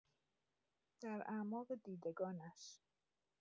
در اعماق دیدگانش